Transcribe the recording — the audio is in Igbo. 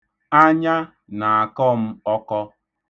Anya na-akọ m ọkọ.